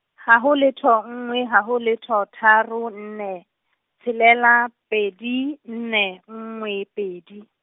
haho letho nngwe, haho letho tharo, nne tshelela, pedi nne nngwe pedi.